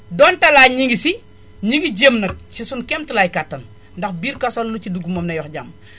donte laa ñu ngi si ñu ngi jéem nag ci suñu kéemtalaay kàttan ndax biir kaso la lu ci dugg moom nay wax jàmm